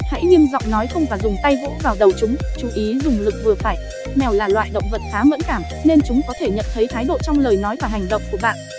hãy nghiêm giọng nói không và dùng tay vỗ vào đầu chúng mèo là loại động vật khá mẫn cảm nên chúng có thể nhận thấy thái độ trong lời nói và hành động của bạn